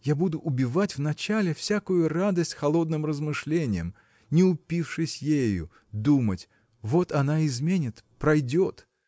– я буду убивать вначале всякую радость холодным размышлением не упившись ею думать вот она изменит, пройдет?